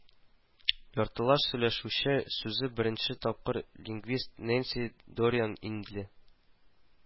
Яртылаш сөйләшүче сүзе беренче тапкыр лингвист Нэнси Дориан ингл